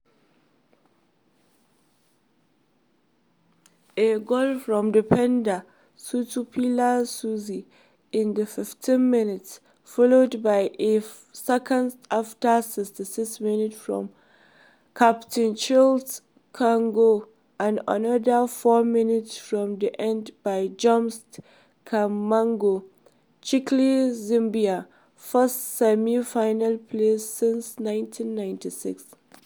A goal from defender Stopilla Sunzu in the fifteenth minute, followed by a second after 66 minutes from Captain Chris Katongo and another four minutes from the end by James Chamanga, clinched Zambia's first semi-final place since 1996.